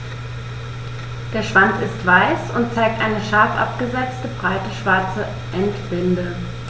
Der Schwanz ist weiß und zeigt eine scharf abgesetzte, breite schwarze Endbinde.